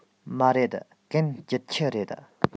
མ རེད གན སྐྱིད ཆུ རེད